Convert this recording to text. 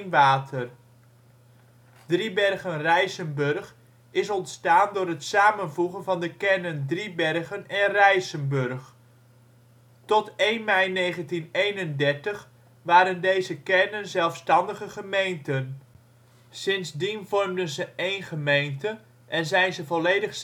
water). Driebergen-Rijsenburg is ontstaan door het samenvoegen van de kernen Driebergen en Rijsenburg. Tot 1 mei 1931 waren deze kernen zelfstandige gemeenten. Sindsdien vormden ze een gemeente en zijn ze volledig